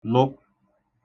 lụ